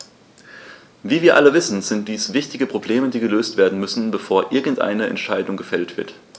Wie wir alle wissen, sind dies wichtige Probleme, die gelöst werden müssen, bevor irgendeine Entscheidung gefällt wird.